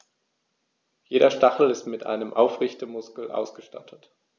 Jeder Stachel ist mit einem Aufrichtemuskel ausgestattet.